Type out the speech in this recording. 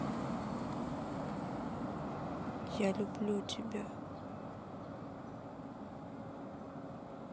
я люблю тебя